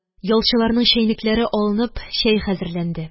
Ялчыларның чәйнекләре алынып, чәй хәзерләнде